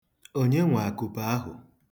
Onye nwe akupe ahụ?